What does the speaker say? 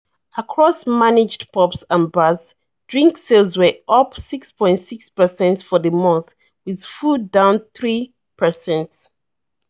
Across managed pubs and bars drink sales were up 6.6 per cent for the month, with food down three per cent."